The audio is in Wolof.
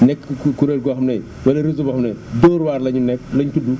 nekk ku kuréel goo xam ne wala réseau boo xam ne Dóor waar la ñu ne la ñu tudd